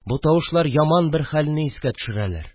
Бу тавышлар яман бер хәлне искә төшерәләр